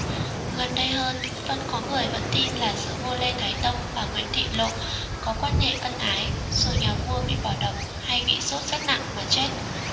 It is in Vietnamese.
gần đây hơn vẫn có người vẫn tin là giữa vua lê thái tông và nguyễn thị lộ có quan hệ ân ái rồi nhà vua bị bỏ độc hay bị sốt rét nặng mà chết